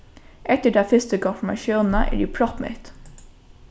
eftir ta fyrstu konfirmatiónina eri eg proppmett